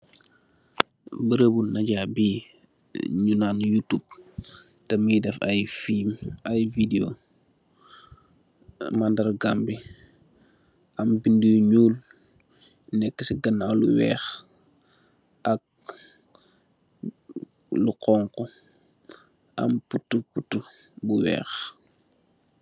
Beureubu najaa bii, nyunaan YouTube, ta muy daf aye fiim, aye video, mandar gaam bi, am bindi yu nyuul, nek si ganaaw lu weekh, ak lu xonxu, ak putu putu bu weekh.